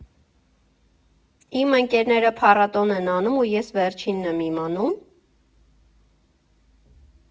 Իմ ընկերները փառատոն են անում, ու ես վերջի՞նն եմ իմանում։